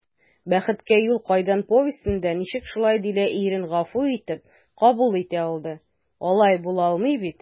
«бәхеткә юл кайдан» повестенда ничек шулай дилә ирен гафу итеп кабул итә алды, алай була алмый бит?»